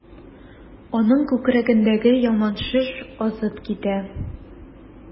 Аның күкрәгендәге яман шеш азып китә.